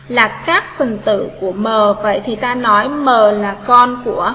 lọc các phần tử của m vậy thì ta nói m là con của